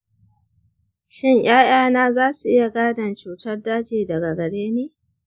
shin ya’yana za su iya gadon cutar daji daga gare ni?